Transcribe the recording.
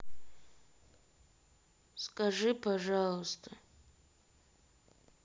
скажи пожалуйста